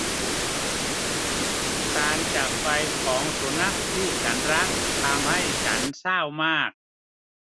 การจากไปของสุนัขที่ฉันรักทำให้ฉันเศร้ามาก